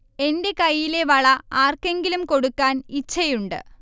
എന്റെ കൈയിലെ വള ആർക്കെങ്കിലും കൊടുക്കാൻ ഇച്ഛയുണ്ട്